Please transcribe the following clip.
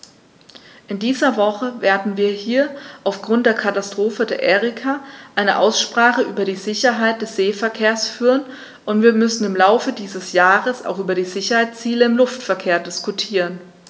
In dieser Woche werden wir hier aufgrund der Katastrophe der Erika eine Aussprache über die Sicherheit des Seeverkehrs führen, und wir müssen im Laufe dieses Jahres auch über die Sicherheitsziele im Luftverkehr diskutieren.